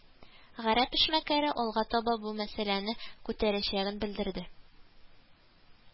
Гарәп эшмәкәре алга таба бу мәсьәләне күтәрәчәген белдерде